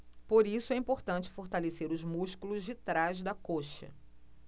por isso é importante fortalecer os músculos de trás da coxa